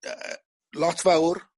yy lot fawr